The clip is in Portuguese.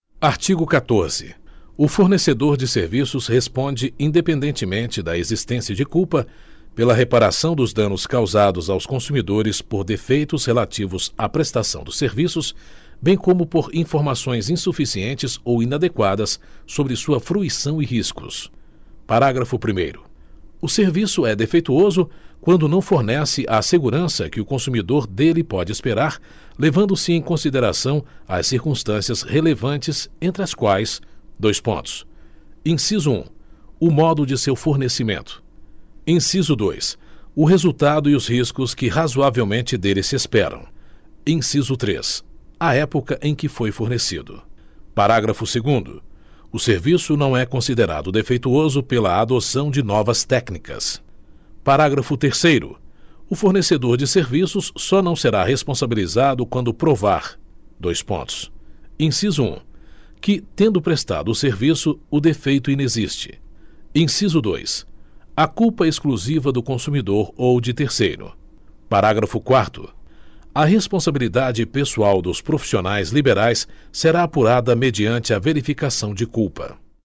artigo quatoze o fornecedor de serviços responde independentemente da existência de culpa pela reparação dos danos causados aos consumidores por defeitos relativos à prestação dos serviços bem como por informações insuficientes ou inadequadas sobre sua fruição e riscos parágrafo primeiro o serviço é defeituoso quando não fornece a segurança que o consumidor dele pode esperar levando se em consideração as circunstâncias relevantes entre as quais dois pontos inciso um o modo de seu fornecimento inciso dois o resultado e os riscos que razoavelmente dele se esperam inciso três a época em que foi fornecido parágrafo segundo o serviço não é considerado defeituoso pela adoção de novas técnicas parágrafo terceiro o fornecedor de serviços só não será responsabilizado quando provar dois pontos inciso um que tendo prestado o serviço o defeito inexiste inciso dois a culpa exclusiva do consumidor ou de terceiro parágrafo quarto a responsabilidade pessoal dos profissionais liberais será apurada mediante a verificação de culpa